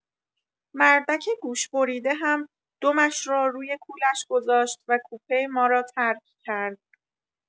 مردک گوش‌بریده هم دمش را روی کولش گذاشت و کوپه ما را ترک کرد.